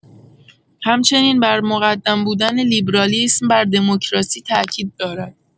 همچنین بر مقدم بودن لیبرالیسم بر دموکراسی تاکید دارد.